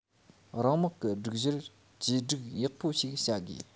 རང དམག གི སྒྲིག གཞིར བཅོས སྒྲིག ཡག པོ ཞིག བྱ དགོས